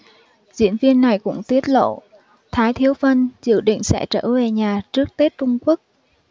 diễn viên này cũng tiết lộ thái thiếu phân dự định sẽ trở về nhà trước tết trung quốc